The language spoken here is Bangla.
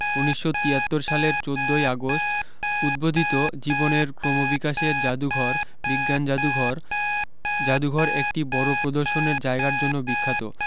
উনিশশ তিয়াত্তর সালের চোদ্দ ই আগস্ট উদ্বোধিত জীবনের ক্রমবিকাশের জাদুঘর বিজ্ঞান জাদুঘর জাদুঘর একটি বড় প্রদর্শনের জায়গার জন্য বিখ্যাত